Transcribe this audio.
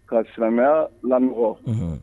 Ka silamɛya la